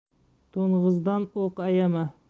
to'ng'izdan o'q ayama